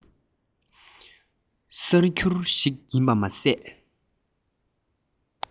གསར འགྱུར ཞིག ཡིན པ མ ཟད